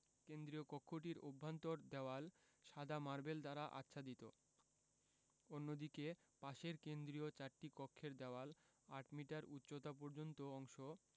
কেন্দ্রীয় কক্ষটির অভ্যন্তর দেওয়াল সাদা মার্বেল দ্বারা আচ্ছাদিত অন্যদিকে পাশের কেন্দ্রীয় চারটি কক্ষের দেওয়াল আট মিটার উচ্চতা পর্যন্ত অংশ